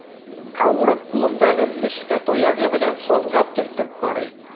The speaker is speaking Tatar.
Кауров кулындагы нечкә таягы белән сазга төртеп карый.